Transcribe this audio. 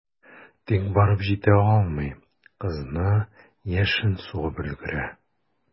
Тик барып җитә алмый, кызны яшен сугып өлгерә.